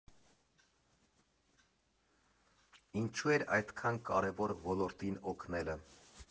Ինչու էր այդքան կարևոր ոլորտին օգնելը։